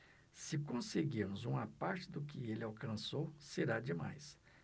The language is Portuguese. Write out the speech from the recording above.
se conseguirmos uma parte do que ele alcançou será demais